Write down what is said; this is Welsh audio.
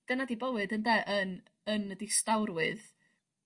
dyna 'di bywyd ynde yn yn y distawrwydd.